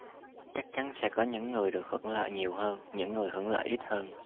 chắc chắn sẽ có những người được hưởng lợi nhiều hơn những người hưởng lợi ít hơn